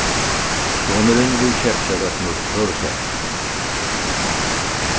sonurin hevur keypt sær eitt nýtt høvuðsett